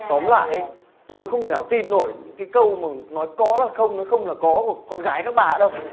tóm lại ý tôi không thể nào tin nổi cái câu mà nói có là không nói không là có của con gái các bà nữa đâu